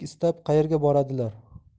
istab qaerga boradilar